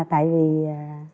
tại vì